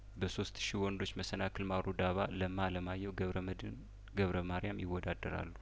በሶስት ሺህ ወንዶች መሰናክል ማሩ ዳባ ለማ አለማየሁ ገብረመድህን ገብረማርያም ይወዳደራሉ